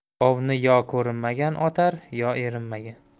ovni yo ko'rinmagan otar yo erinmagan